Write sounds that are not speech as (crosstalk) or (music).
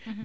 (hesitation) (hesitation)